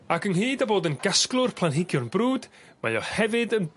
Ac ynghyd â bod yn gasglwr planhigion brwd mae o hefyd yn...